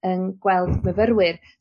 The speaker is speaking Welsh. yn gweld myfyrwyr